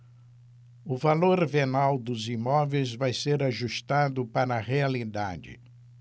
o valor venal dos imóveis vai ser ajustado para a realidade